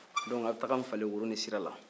donc aw bɛ taga n falen woro ni sira la